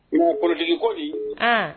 Mɔgɔ kolotigiko di